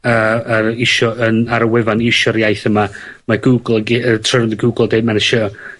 yy yy isio yn, ar y wefan isio'r iaith yma mae Google yn ge- yy troi rownd i Google a deud ma'n isio